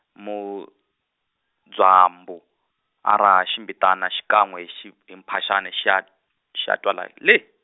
Mudzwambu a raha ximbitana xikan'we hi xi hi mphaxana, xi ya, xi ya twala lee.